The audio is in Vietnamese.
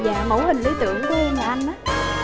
dạ mẫu hình lý tưởng của em là anh đó